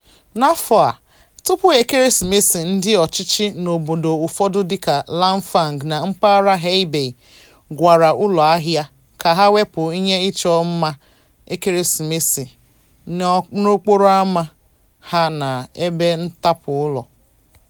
N'afọ a, tupu ekeresimesi, ndị ọchịchị n'obodo ụfọdụ dịka Langfang, na mpaghara Hebei, gwara ụlọahịa ka ha wepụ ihe ịchọ mma ekeresimesi n'okporo ámá ha na n'ebe ntapu ụlọ.